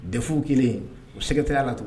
Defu kelen u sɛgɛteya la don